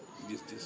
gis-gis